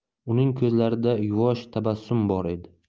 uning ko'zlarida yuvosh tabassum bor edi